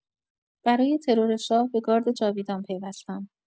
برای ترور شاه به گارد جاویدان پیوستم!